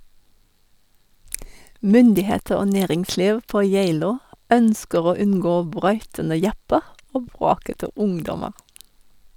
Myndigheter og næringsliv på Geilo ønsker å unngå brautende japper og bråkete ungdommer.